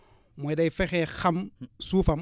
mooy day fexee xam suufam